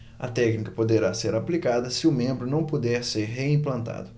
a técnica poderá ser aplicada se o membro não puder ser reimplantado